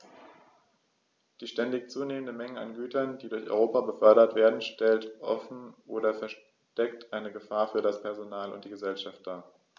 Die ständig zunehmende Menge an Gütern, die durch Europa befördert werden, stellt offen oder versteckt eine Gefahr für das Personal und die Gesellschaft dar.